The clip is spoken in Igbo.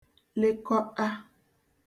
lekọṭa